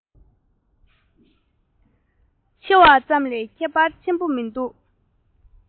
ཆེ བ ཙམ ལས ཁྱད པར ཆེན པོ མེད པ